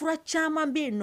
Fura caaman be yennɔ